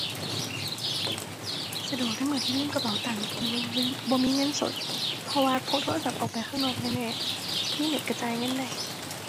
สะดวกในมื้อที่ลืมกระเป๋าตัง หรือว่า บ่มีเงินสด เพราะว่าพกโทรศัพท์ออกไปข้างนอกแน่แน่ มีเน็ตก็จ่ายเงินได้